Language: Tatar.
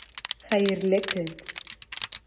Хәерле көн!